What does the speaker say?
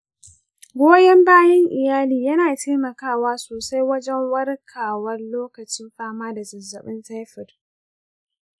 goyon bayan iyali yana taimakawa sosai wajen warkarwa lokacin fama da zazzabin taifot.